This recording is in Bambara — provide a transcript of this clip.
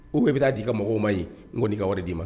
U bɛɛ bɛ taa di'i ka mɔgɔw ma ɲi n ko nin i ka wari d'i ma